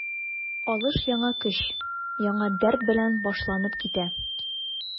Алыш яңа көч, яңа дәрт белән башланып китә.